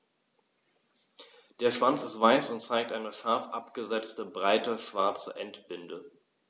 Der Schwanz ist weiß und zeigt eine scharf abgesetzte, breite schwarze Endbinde.